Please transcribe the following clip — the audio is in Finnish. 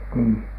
niin